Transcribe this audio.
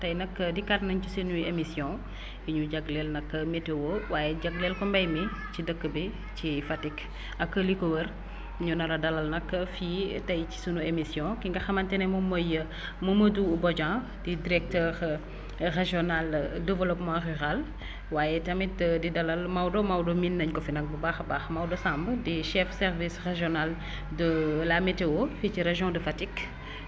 tay nag dikkaat nañ si suñuy émission yi ñu jagleel nag météo waaye jagleel ko mbay mi ci dëkk bi ci Fatick ak li ko wër ñu nar a dalal nag fii tay ci sunu émission ki nga xamante ne moom mooy Momadou Bodian di directeur régional développement rural waaye tamit di dalal Maodo Maodo miin nañ ko fi nag bu baax a baax Maodo Samb di chef service régional de la météo fii ci région de Fatick